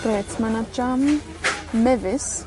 Grêt, ma' 'na jam mefus,